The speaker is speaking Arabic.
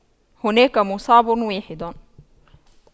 هناك مصاب واحد